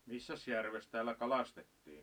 missäs järvessä täällä kalastettiin